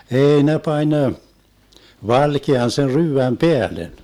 ei ne pani valkean sen ryydän päälle